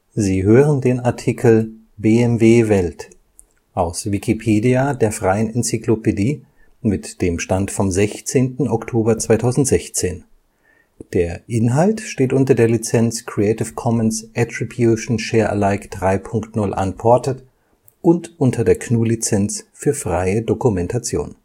Sie hören den Artikel BMW Welt, aus Wikipedia, der freien Enzyklopädie. Mit dem Stand vom Der Inhalt steht unter der Lizenz Creative Commons Attribution Share Alike 3 Punkt 0 Unported und unter der GNU Lizenz für freie Dokumentation